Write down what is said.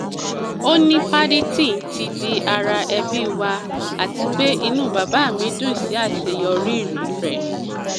Ó ní Paddington “ti di ara ẹbí wa,” àtipé inú bàbá mi dùn sí àṣeyọrí ẹ̀.